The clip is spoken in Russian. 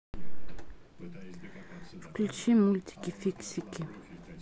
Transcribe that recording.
включи мультики фиксики